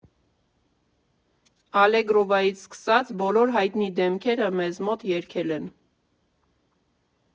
Ալեգրովայից սկսած՝ բոլոր հայտնի դեմքերը մեզ մոտ երգել են։